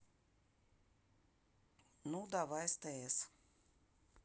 ну давай стс